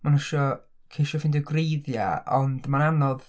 Maen nhw isho ceisio ffeindio gwreiddiau ond ma'n anodd.